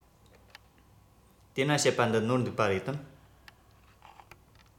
དེ ན བཤད པ འདི ནོར འདུག པ རེད དམ